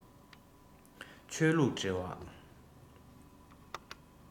ཆོས ལུགས འབྲེལ བ